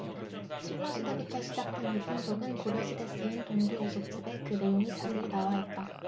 신라시대부터 시작된 이 풍속은 고려시대 쓰인 동도유속집에 그 내용이 자세히 나와있다